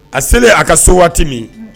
A selen a ka so waati min